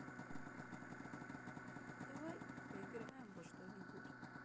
давай поиграем во что нибудь